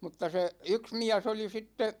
mutta se yksi mies oli sitten